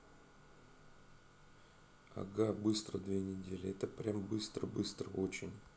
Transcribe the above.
ага быстро две недели это это прям быстро быстро очень